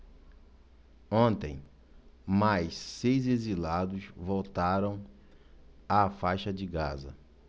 ontem mais seis exilados voltaram à faixa de gaza